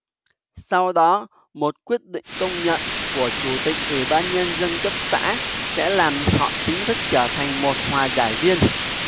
sau đó một quyết định công nhận của chủ tịch ủy ban nhân dân cấp xã sẽ làm họ chính thức trở thành một hòa giải viên